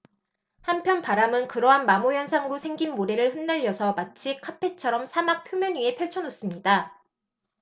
한편 바람은 그러한 마모 현상으로 생긴 모래를 흩날려서 마치 카펫처럼 사막 표면 위에 펼쳐 놓습니다